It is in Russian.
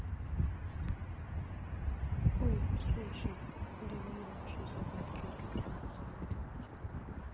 ой слушай а давай лучше загадки друг другу загадывать